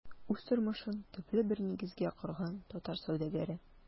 Үз тормышын төпле бер нигезгә корган татар сәүдәгәре.